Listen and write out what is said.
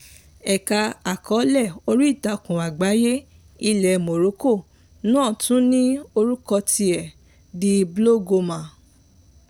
Ẹ̀ka àkọọ́lẹ̀ oríìtakùn àgbáyé ilẹ̀ Morocco náà tún ní orúkọ tiẹ̀ - the Blogoma.